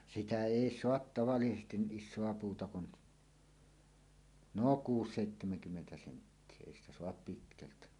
sitä ei saa tavallisesti niin isoa puuta kuin no - kuusi- seitsemänkymmentä senttiä ei sitä saa pitkältä